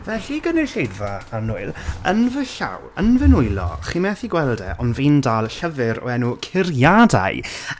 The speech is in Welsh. Felly, gynulleidfa annwyl, yn fy llaw, yn fy nwylo, chi methu gweld e, ond fi'n dal llyfr o enw Curiadau.